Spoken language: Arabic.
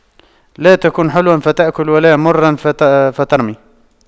لا تكن حلواً فتؤكل ولا مراً فترمى